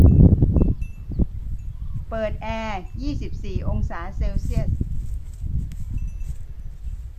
เปิดแอร์ยี่สิบสี่องศาเซลเซียส